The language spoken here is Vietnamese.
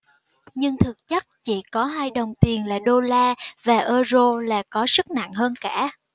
nhưng thực chất chỉ có hai đồng tiền là đô la và euro là có sức nặng hơn cả